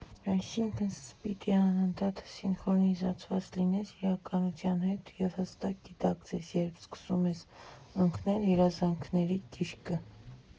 Այսինքն՝ պիտի անընդհատ սինխրոնիզացված լինես իրականության հետ և հստակ գիտակցես, երբ սկսում ես ընկնել երազանքների գիրկը։